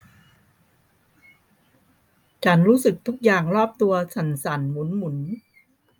ฉันรู้สึกทุกอย่างรอบตัวสั่นสั่นหมุนหมุน